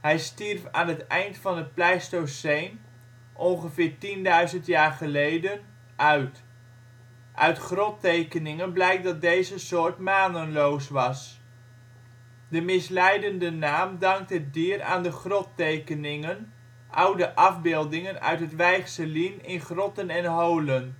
Hij stierf aan het eind van het Pleistoceen, ongeveer 10.000 jaar geleden, uit [bron?]. Uit grottekeningen blijkt dat deze soort manenloos was De misleidende naam dankt het dier aan de grottekeningen, oude afbeeldingen uit het Weichselien in grotten en holen.